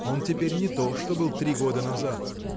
Он теперь не то, что был три года назад.